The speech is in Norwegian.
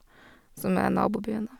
Som er nabobyen, da.